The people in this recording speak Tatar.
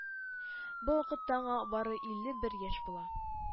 Бу вакытта аңа бары илле бер яшь була.